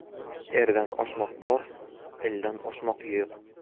erdan oshmoq bor eldan oshmoq yo'q